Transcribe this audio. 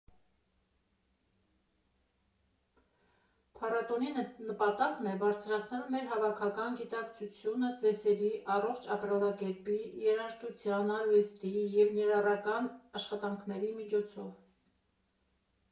Փառատոնի նպատակն է բարձրացնել մեր հավաքական գիտակցությունը ծեսերի, առողջ ապրելակերպի, երաժշտության, արվեստի և ներառական աշխատարանների միջոցով։